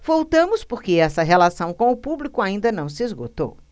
voltamos porque essa relação com o público ainda não se esgotou